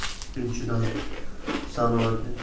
uchinchidan sanoatning qayta ishlash tarmog'i